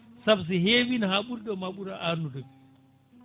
saabu so hewino ha ɓuuriɗo ma ɓuura annudemi